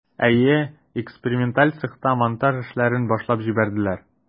Әйе, эксперименталь цехта монтаж эшләрен башлап җибәрделәр.